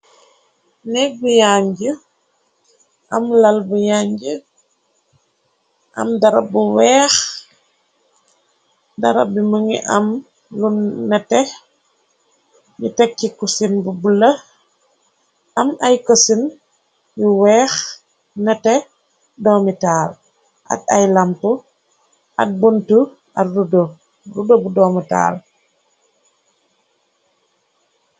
Nekk bu yànj am lal bu yànj am darab bu weex darab bi më ngi am lu nete yu tekki ku sin bu bulla am ay kosin yu weex nete doomi taar at ay lamp at bunt at rudo bu doomi taar.